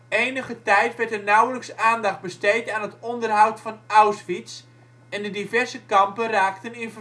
Enige tijd werd er nauwelijks aandacht besteed aan het onderhoud van Auschwitz en de diverse kampen raakten in